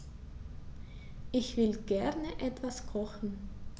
Ich will gerne etwas kochen.